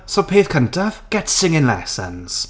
So peth cyntaf, get singing lessons.